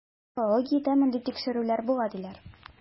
Антропологиядә мондый тикшерүләр була, диләр.